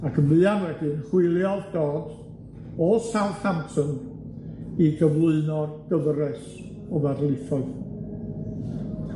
Ac yn fuan wedyn, hwyliodd Dodd o Southampton i gyflwyno gyfres o ddarlithoedd.